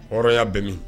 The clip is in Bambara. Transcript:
O y'a bɛ min